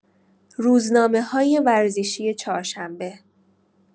روزنامه‌های ورزشی چهارشنبه